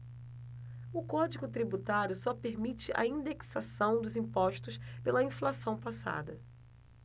o código tributário só permite a indexação dos impostos pela inflação passada